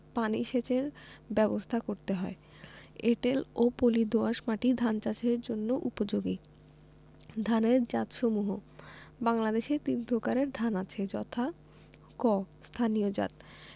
পানি সেচের ব্যাবস্থা করতে হয় এঁটেল ও পলি দোআঁশ মাটি ধান চাষের জন্য উপযোগী ধানের জাতসমূহঃ বাংলাদেশে তিন প্রকারের ধান আছে যথাঃ ক স্থানীয় জাতঃ